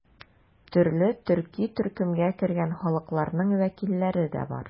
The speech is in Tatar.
Төрле төрки төркемгә кергән халыкларның вәкилләре дә бар.